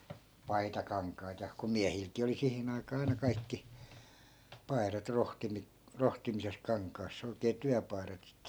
paitakankaita ja kun miehilläkin oli siihen aikaa aina kaikki paidat - rohtimisessa kankaassa oikein työpaidat sitten